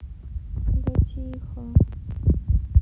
да тихо